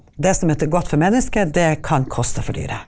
det som er godt for mennesket, det kan koste for dyret.